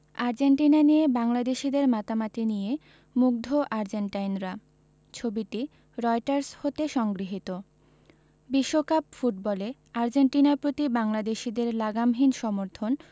Argentina নিয়ে বাংলাদেশিদের মাতামাতি নিয়ে মুগ্ধ আর্জেন্টাইনরা ছবিটি রয়টার্স হতে সংগৃহীত বিশ্বকাপ ফুটবলে আর্জেন্টিনার প্রতি বাংলাদেশিদের লাগামহীন সমর্থন